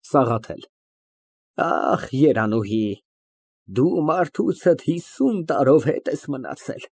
ՍԱՂԱԹԵԼ ֊ Ախ, Երանուհի, դու մարդուցդ հիսուն տարի հետ ես մնացել։